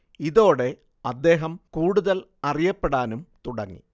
ഇതോടെ അദ്ദേഹം കൂടുതൽ അറിയപ്പെടാനും തുടങ്ങി